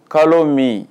Kalo min